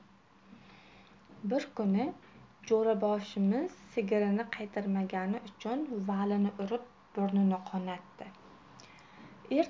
bir kuni jo'raboshimiz sigirini qaytarmagani uchun valini urib burnini qonatdi